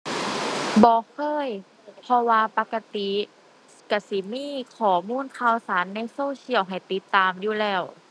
บ่เคย เพราะว่าปกติก็สิมีข้อมูลข่าวสารในโซเชียลให้ติดตามอยู่แล้ว